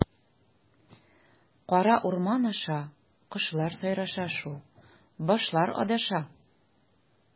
Кара урман аша, кошлар сайраша шул, башлар адаша.